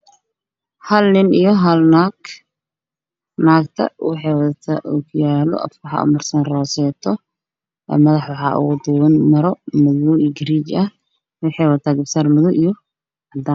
Hal nin iyo hal naag naagta waxey wadatadaa ookiyaalo afka waxaa u marsan rooseeto madaxa waxaa ugu dooban maro madow iyo gariin ah waxey wadatadaa garba saar cadaan